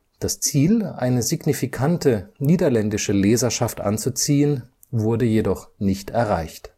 das Ziel, eine signifikante niederländische Leserschaft anzuziehen, wurde jedoch nicht erreicht